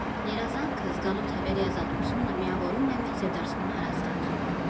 Երազանքը՝ զգալու թևերի ազատությունը, միավորում է մեզ և դարձնում հարազատ։